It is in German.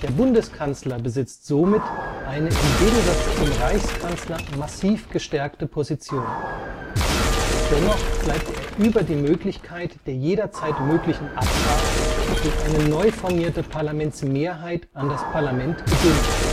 Bundeskanzler besitzt somit eine im Gegensatz zum Reichskanzler massiv gestärkte Position. Dennoch bleibt er über die Möglichkeit der jederzeit möglichen Abwahl durch eine neu formierte Parlamentsmehrheit an das Parlament gebunden